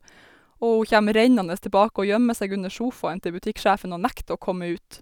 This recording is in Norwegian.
Og hun kjem rennende tilbake og gjemmer seg under sofaen til butikksjefen og nekter å komme ut.